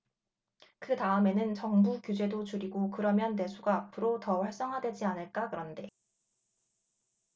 그 다음에는 정부 규제도 줄이고 그러면 내수가 앞으로 더 활성화되지 않을까 그런데